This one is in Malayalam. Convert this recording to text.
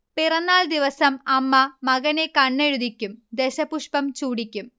പിറന്നാൾദിവസം അമ്മ മകനെ കണ്ണെഴുതിക്കും, ദശപുഷ്പം ചൂടിക്കും